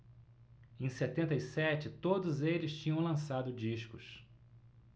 em setenta e sete todos eles tinham lançado discos